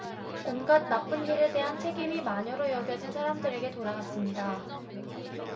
온갖 나쁜 일에 대한 책임이 마녀로 여겨진 사람들에게 돌아갔습니다